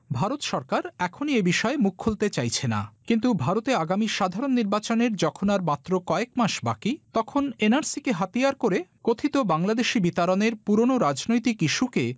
ভারত সরকার এখনই এ বিষয়ে মুখ খুলতে চাইছে না কিন্তু ভারতে আগামী সাধারণ নির্বাচনের যখন কয়েক মাস বাকি তখন এনআরসি কে হাতিয়ার করে কথিত বাংলাদেশি বিতারণের পুরনো রাজনৈতিক ইস্যু কে